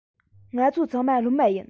ང ཚོ ཚང མ སློབ མ ཡིན